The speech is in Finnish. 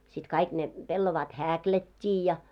sitten kaikki ne pellavat häklättiin ja